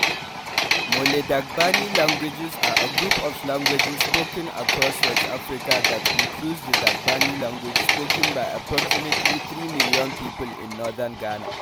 Mole-Dagbani languages are a group of languages spoken across West Africa that includes the Dagbani language spoken by approximately three million people in northern Ghana.